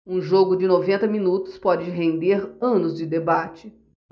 um jogo de noventa minutos pode render anos de debate